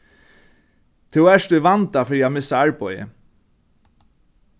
tú ert í vanda fyri at missa arbeiðið